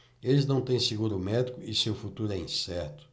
eles não têm seguro médico e seu futuro é incerto